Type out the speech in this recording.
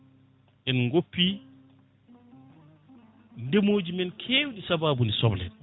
en goppi ndemoji men kewɗi saabude soble